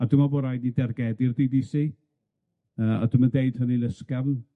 A dwi mewl bo' raid i ni dargedu'r Bee Bee See, yy a dwi'm yn deud hynny'n ysgafn...